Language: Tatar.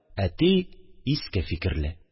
Әти – иске фикерле